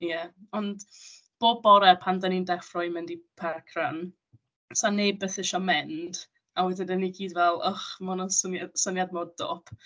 Ie, ond bob bore pan dan ni'n deffro i mynd i park run, 'sa neb byth isio mynd. A wedyn dan ni i gyd fel, "Ych, mae honna'n swni- syniad mor dwp."